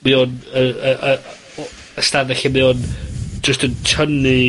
...mae o'n y y y o- ystafell lle mae o'n jyst yn tynnu